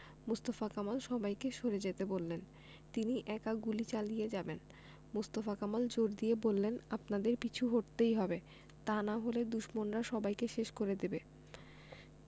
মোস্তফা কামাল সবাইকে সরে যেতে বললেন তিনি একা গুলি চালিয়ে যাবেন মোস্তফা কামাল জোর দিয়ে বললেন আপনাদের পিছু হটতেই হবে তা না হলে দুশমনরা সবাইকে শেষ করে দেবে